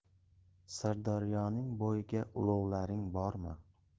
sirdaryoning bo'yiga ulovlaring bormi